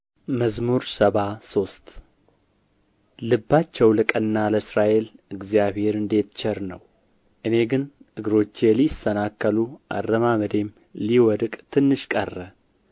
መዝሙር ሰባ ሶስት ልባቸው ለቀና ለእስራኤል እግዚአብሔር እንዴት ቸር ነው እኔ ግን እግሮቼ ሊሰናከሉ አረማመዴም ሊወድቅ ትንሽ ቀረ